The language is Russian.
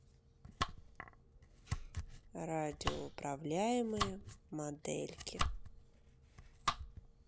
радиоуправляемые модельки